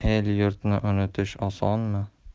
el yurtni unutish osonmi